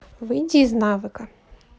выйди из навыка